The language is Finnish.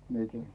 minäkin